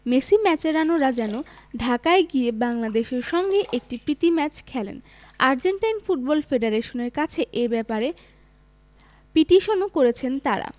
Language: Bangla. মেসি মাচেরানোরা যেন ঢাকায় গিয়ে বাংলাদেশের সঙ্গে একটি প্রীতি ম্যাচ খেলেন আর্জেন্টাইন ফুটবল ফেডারেশনের কাছে এ ব্যাপারে পিটিশনও করেছেন তাঁরা